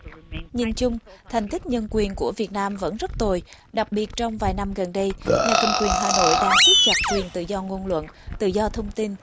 nhìn chung thành tích nhân quyền của việt nam vẫn rất tồi đặc biệt trong vài năm gần đây nhà cầm quyền hà nội đang siết chặt quyền tự do ngôn luận tự do thông tin